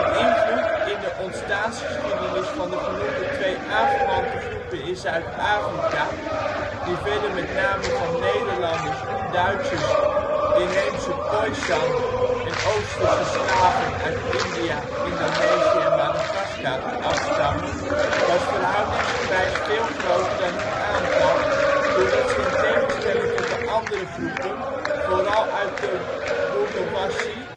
invloed in de ontstaansgeschiedenis van de genoemde twee aanverwante groepen in Zuid-Afrika, die verder met name van Nederlanders, Duitsers, inheemse Khoisan en Oosterse slaven (India, Indonesië, Madagaskar) afstammen, was verhoudingsgewijs veel groter dan hun aantal, doordat ze in tegenstelling tot de andere groepen vooral uit de bourgeoisie